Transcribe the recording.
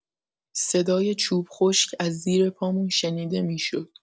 صدای چوب خشک از زیر پامون شنیده می‌شد.